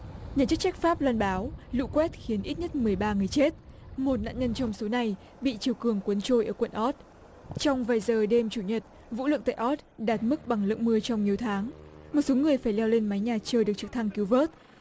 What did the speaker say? nhà chức trách pháp loan báo lũ quét khiến ít nhất mười ba người chết một nạn nhân trong số này bị triều cường cuốn trôi ở quận ót trong vài giờ đêm chủ nhật vũ lượng tê ót đạt mức bằng lượng mưa trong nhiều tháng một số người phải leo lên mái nhà chờ được trực thăng cứu vớt